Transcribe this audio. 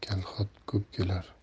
kalxat ko'p kelar